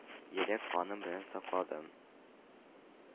Йөрәк каным белән сакладым.